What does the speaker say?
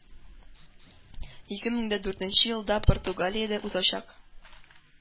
Ике мең дә дүртенче елда Португалиядә узачак